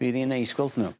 Bydd 'i'n neis gweld n'w.